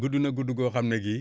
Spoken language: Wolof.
gudd na gudd goo xam ne gii